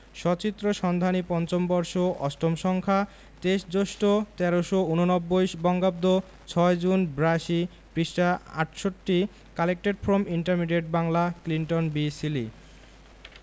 সচিত্র সন্ধানী৫ম বর্ষ ৮ম সংখ্যা ২৩ জ্যৈষ্ঠ ১৩৮৯ বঙ্গাব্দ ৬ জুন৮২ পৃষ্ঠাঃ ৬৮ collected from intermediate Bangla Clinton B Seely